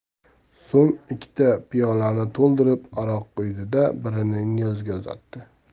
so'ng ikkita piyolani to'ldirib aroq quydi da birini niyozga uzatdi